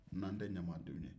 n'an tɛ ɲamadenw ye